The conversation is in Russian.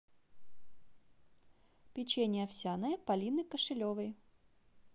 печенье овсяное полины кошелевой